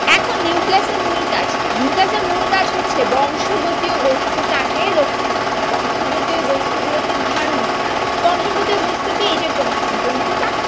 এখন নিউক্লিয়াস এর মূল কাজ কি নিউক্লিয়াস এর মূল কাজ হচ্ছে বংশগতিও বস্তুটা কে রক্ষা করা বংশগতি ও বস্তুগুলোকে ধারণ করা বংশগতি ও বস্তু কি এই যে ক্রোমাটিন তন্তু টা